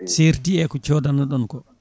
serti e ko codanno ɗon ko